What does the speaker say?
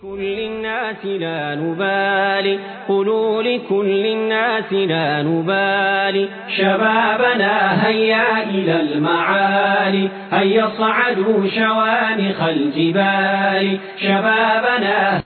Urunrinatibaliririurunurunrinabaliri cɛbada la yari a yafafadu sabawa ni alijibaliri cɛba la